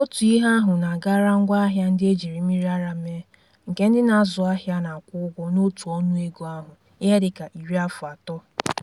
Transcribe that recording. Otu ihe ahu na-agara ngwaahịa ndị ejiri mmmiri ara mee, nke ndị na-azụahịa na-akwụ ụgwọ n'otu ọnụego ahụ ihe dịka ịrị afọ atọ.